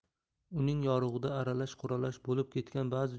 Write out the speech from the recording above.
uning yorug'ida aralash quralash bo'lib ketgan bazi